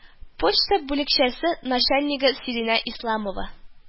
Почта бүлекчәсе начальнигы Сиринә Исламова